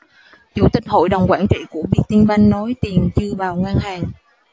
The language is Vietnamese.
chủ tịch hội đồng quản trị của vietinbank nói tiền chưa vào ngân hàng